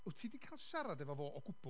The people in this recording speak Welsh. wyt ti di cael siarad efo fo o gwbl?